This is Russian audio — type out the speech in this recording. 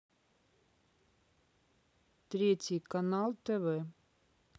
третий канал тв